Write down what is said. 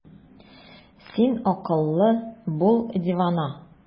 Син акыллы, бул дивана!